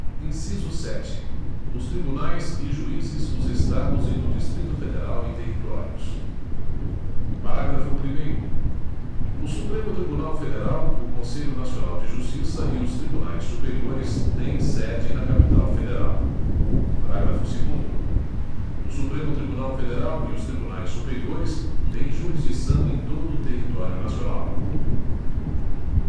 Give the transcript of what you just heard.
inciso sete os tribunais e juízes dos estados e do distrito federal e territórios parágrafo primeiro o supremo tribunal federal o conselho nacional de justiça e os tribunais superiores têm sede na capital federal parágrafo segundo o supremo tribunal federal e os tribunais superiores têm jurisdição em todo o território nacional